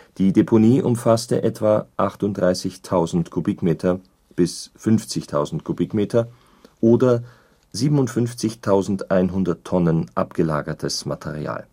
Die Deponie umfasste etwa 38.000 m³ bis 50.000 m³ oder 57.100 Tonnen abgelagertes Material